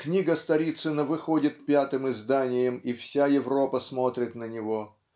книга Сторицына выходит пятым изданием и вся Европа смотрит на него